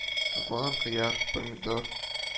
- тозлаган кыяр, помидор